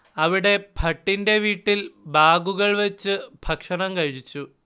അവിടെ ഭട്ടിന്റെ വീട്ടിൽ ബാഗുകൾ വെച്ചു ഭക്ഷണം കഴിച്ചു